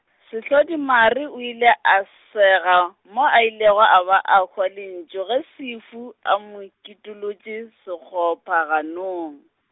Sehlodimare o ile a sega, moo a ilego a be a hwa lentšu ge Sefu a mo kitolotše sekgopha ganong.